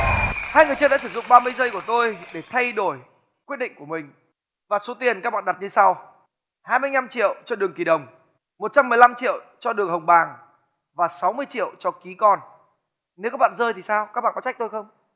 hai người chơi đã sử dụng ba mươi giây của tôi để thay đổi quyết định của mình và số tiền các bạn đặt như sau hai mươi nhăm triệu cho đường kì đồng một trăm mười lăm triệu cho đường hồng bàng và sáu mươi triệu cho kí con nếu các bạn rơi thì sao các bạn có trách tôi không